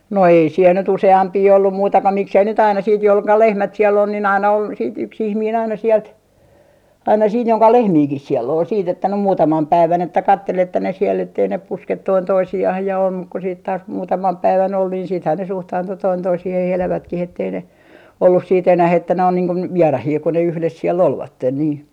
no ei siellä nyt useampia ollut muita kuin miksi ei nyt aina sitten -- lehmät siellä on niin aina on sitten yksi ihminen aina sieltä aina siinä jonka lehmiäkin siellä oli sitten että nyt muutaman päivän että katseli että ne siellä että ei ne puske toinen toisiaan ja on mutta kun sitten taas muutaman päivän oli niin sittenhän ne suhtaantui toinen toisiinsa elävätkin että ei ne ollut sitten enää että ne on niin kuin vieraita kun ne yhdessä siellä olivat niin